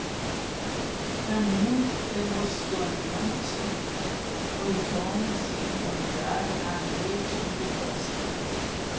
é muito emocionante os homens se encontrarem à noite no bosque